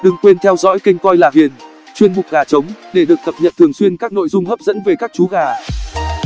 đừng quên theo dõi kênh coi là ghiền chuyên mục gà trống để được cập nhật nội dung hấp dẫn về các chú gà